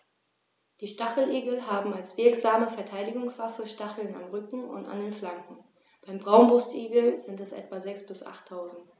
Die Stacheligel haben als wirksame Verteidigungswaffe Stacheln am Rücken und an den Flanken (beim Braunbrustigel sind es etwa sechs- bis achttausend).